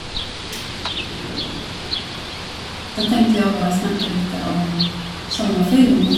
Da tenkte jeg å bare snakke litt om sommerferien min.